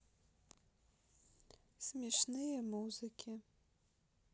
смешные музыки